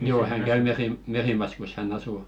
joo hän käy - Merimaskussa hän asuu